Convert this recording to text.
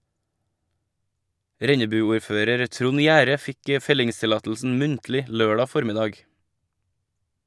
Rennebu-ordfører Trond Jære fikk fellingstillatelsen muntlig lørdag formiddag.